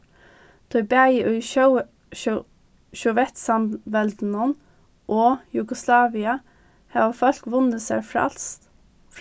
tí bæði í sovjetsamveldinum og jugoslavia hava fólk vunnið sær frælst